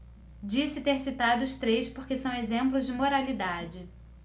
disse ter citado os três porque são exemplos de moralidade